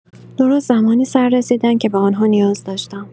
درست زمانی سررسیدند که به آن‌ها نیاز داشتم.